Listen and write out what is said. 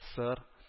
Сыр